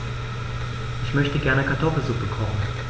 Ich möchte gerne Kartoffelsuppe kochen.